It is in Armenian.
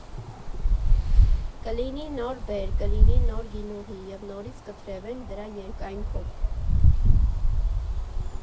Կլինի նոր բերք, կլինի նոր գինուղի և նորից կթրևենք դրա երկայնքով։